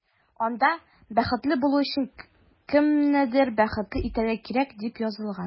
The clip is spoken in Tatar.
Анда “Бәхетле булу өчен кемнедер бәхетле итәргә кирәк”, дип язылган.